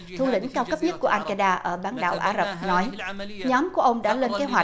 thủ lĩnh cao cấp nhất của an kê đa ở bán đảo ả rập nói nhóm của ông đã lên kế hoạch